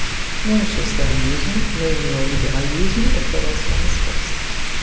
nem o socialismo nem o neoliberalismo oferecem uma resposta